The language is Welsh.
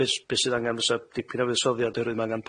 be' s- be' sydd angan fysa dipyn o fu'soddiad oherwydd ma' angan